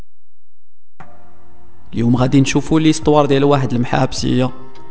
يوم اذن شوفوا لي صوره لواحد المحابس يوم